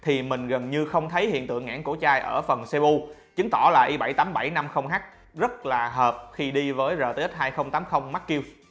thì mình gần như không thấy hiện tượng nghẽn cổ chai ở phần cpu chứng tỏ là i h rất là hợp khi đi với rtx max q